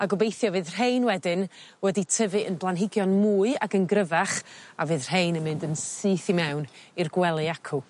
a gobeithio fydd rhein wedyn wedi tyfu yn blanhigion mwy ac yn gryfach a fydd rhein yn mynd yn syth i mewn i'r gwely acw.